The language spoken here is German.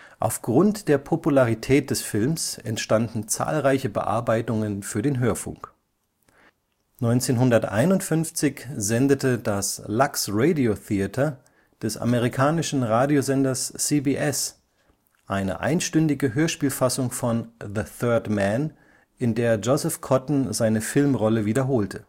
Aufgrund der Popularität des Films entstanden zahlreiche Bearbeitungen für den Hörfunk. 1951 sendete das Lux Radio Theater des amerikanischen Radiosenders CBS eine einstündige Hörspielfassung von The Third Man, in der Joseph Cotten seine Filmrolle wiederholte